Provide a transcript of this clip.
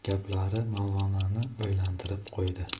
gaplari mavlononi o'ylantirib qo'ydi